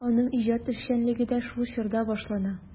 Аның иҗат эшчәнлеге дә шул чорда башлана.